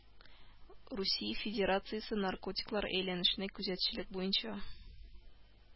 Русия Федерациясе Наркотиклар әйләнешенә күзәтчелек буенча